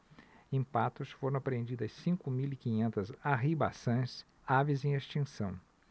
em patos foram apreendidas cinco mil e quinhentas arribaçãs aves em extinção